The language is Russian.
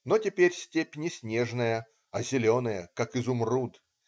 Но теперь степь не снежная, а зеленая, как изумруд.